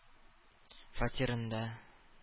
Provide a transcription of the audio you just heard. Фатирында